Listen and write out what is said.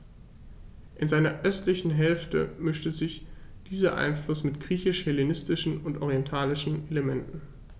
In seiner östlichen Hälfte mischte sich dieser Einfluss mit griechisch-hellenistischen und orientalischen Elementen.